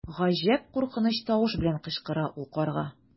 Гаҗәп куркыныч тавыш белән кычкыра ул карга.